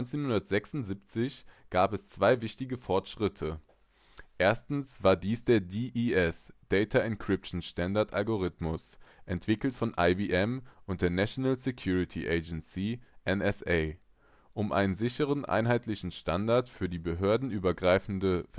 1976 gab es zwei wichtige Fortschritte. Erstens war dies der DES (Data Encryption Standard) - Algorithmus, entwickelt von IBM und der National Security Agency (NSA), um einen sicheren einheitlichen Standard für die behördenübergreifende